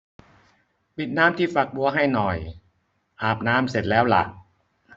ปิดน้ำที่ฝักบัวให้หน่อยอาบน้ำเสร็จแล้วล่ะ